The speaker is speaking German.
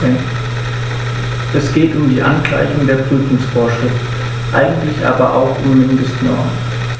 Es geht um die Angleichung der Prüfungsvorschriften, eigentlich aber auch um Mindestnormen.